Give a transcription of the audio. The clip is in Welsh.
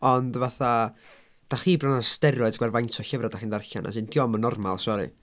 Ond fatha, dach chi bron ar steroids oherwydd faint o llyfrau dych chi'n ddarllen as in 'di o'm yn normal sori.